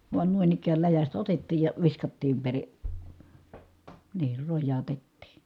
vain noin ikään läjästä otettiin ja viskattiin - niin rojautettiin